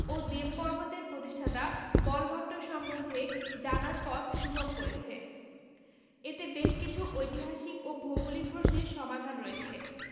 ও দেবপর্বত এর প্রতিষ্ঠাতা বলভট্ট সম্বন্ধে জানার পথ সুগম করেছে এতে বেশ কিছু ঐতিহাসিক ও ভৌগোলিক প্রশ্নের সমাধান হয়েছে